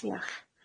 Diolch.